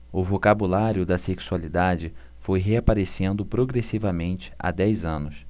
o vocabulário da sexualidade foi reaparecendo progressivamente há dez anos